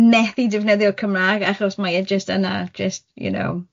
methu defnyddio'r Cymrâg achos mae e jyst yna jyst, you know.